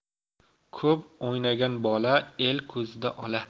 ko'p o'ynagan bola el ko'zida ola